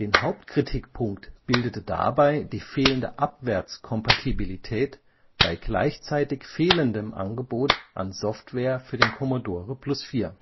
Hauptkritikpunkt bildete dabei die fehlende Abwärtskompatibilität bei gleichzeitig fehlendem Angebot an Software für den Commodore Plus/4